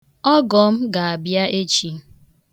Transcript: Ọgọ m ga-abịa echi.